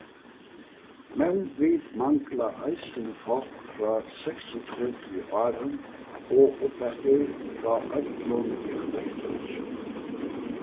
men vit mangla eisini fólk frá seksogtretivu árum og uppeftir frá øllum dialektøkjum